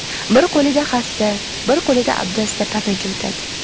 bir qo'lida hassa bir qo'lida obdasta panaga o'tadi